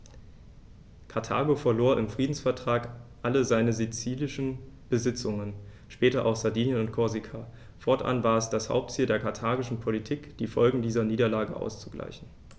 Karthago verlor im Friedensvertrag alle seine sizilischen Besitzungen (später auch Sardinien und Korsika); fortan war es das Hauptziel der karthagischen Politik, die Folgen dieser Niederlage auszugleichen.